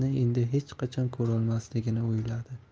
endi hech qachon ko'rolmasligini o'yladi